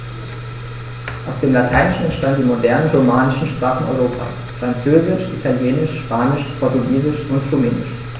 Aus dem Lateinischen entstanden die modernen „romanischen“ Sprachen Europas: Französisch, Italienisch, Spanisch, Portugiesisch und Rumänisch.